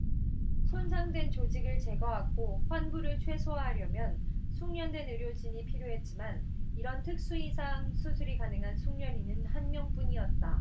손상된 조직을 제거하고 환부를 최소화하려면 숙련된 의료진이 필요했지만 이런 특수외상 수술이 가능한 숙련의는 한 명뿐이었다